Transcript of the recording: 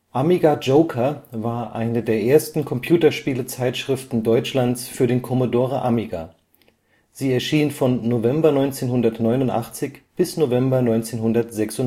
Amiga Joker war eine der ersten Computerspiele-Zeitschrift Deutschlands für den Commodore Amiga. Sie erschien von November 1989 bis November 1996